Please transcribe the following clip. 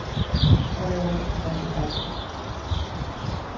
tá verður hann ikki sendur í bardaga